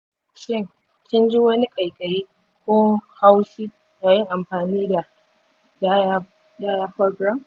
shin kin ji wani ƙaiƙayi ko haushi yayin anfani da diaphragm?